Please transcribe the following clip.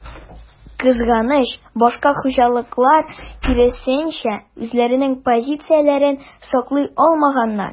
Кызганыч, башка хуҗалыклар, киресенчә, үзләренең позицияләрен саклый алмаганнар.